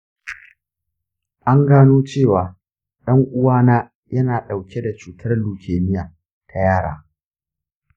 an gano cewa ɗan-uwana ya na ɗauke da cutar leukemia ta yara